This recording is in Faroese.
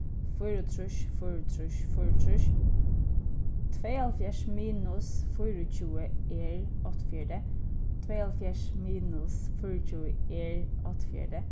fýraogtrýss fýraogtrýss fýraogtrýss tveyoghálvfjerðs minus fýraogtjúgu er áttaogfjøruti tveyoghálvfjerðs minus fýraogtjúgu er áttaogfjøruti